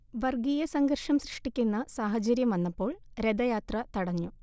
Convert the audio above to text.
വർഗീയസംഘർഷം സൃഷ്ടിക്കുന്ന സാഹചര്യം വന്നപ്പോൾ രഥയാത്ര തടഞ്ഞു